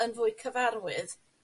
yn fwy cyfarwydd